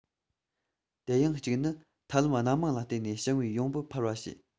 དེ ཡང གཅིག ནི ཐབས ལམ སྣ མང ལ བརྟེན ནས ཞིང པའི ཡོང འབབ འཕར བ བྱས